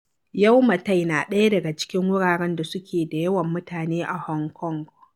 Yau Ma Tei na ɗaya daga cikin wuraren da suke da yawan mutane a Hong Kong.